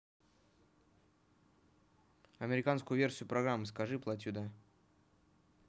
американскую версию программы скажи платью да